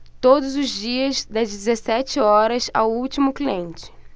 todos os dias das dezessete horas ao último cliente